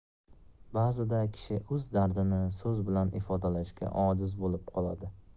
ba'zida kishi o'z dardini so'z bilan ifodalashga ojiz bo'lib qoladi